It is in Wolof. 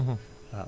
andi ko foofu